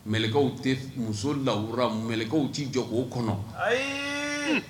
Mkaw tɛ muso lara mkaw tɛi jɔ o kɔnɔ